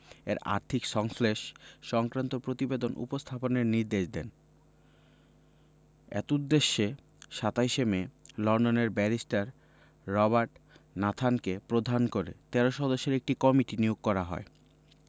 এর আর্থিক সংশ্লেষ সংক্রান্ত প্রতিবেদন উপস্থাপনের নির্দেশ দেন এতদুদ্দেশ্যে ২৭ মে লন্ডনের ব্যারিস্টার রবার্ট নাথানকে প্রধান করে ১৩ সদস্যের একটি কমিটি নিয়োগ করা হয়